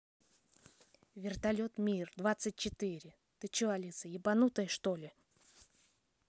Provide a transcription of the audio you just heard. вертолет мир двадцать четыре ты че алиса ебанутая что ли